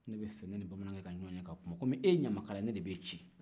ne b'a fɛ ne ni bamanankɛ ka ɲɔgɔn ye ka kuma kɔmi ye ɲamakala ye ne de b'e ci